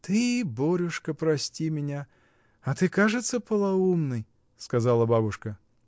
— Ты, Борюшка, прости меня: а ты, кажется, полоумный! — сказала бабушка.